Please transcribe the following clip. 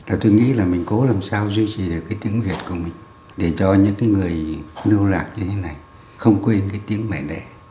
theo tôi nghĩ là mình cố làm sao duy trì được cái tiếng việt của mình để cho những cái người lưu lạc như thế này không quên cái tiếng mẹ đẻ